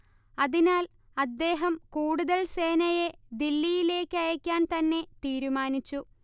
അതിനാൽ അദ്ദേഹം കൂടുതൽ സേനയെ ദില്ലിയിലേക്കയക്കാൻതന്നെ തീരുമാനിച്ചു